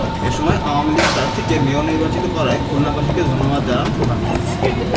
এ সময় আওয়ামী লীগ প্রার্থীকে মেয়র নির্বাচিত করায় খুলনাবাসীকে ধন্যবাদ জানান প্রধানমন্ত্রী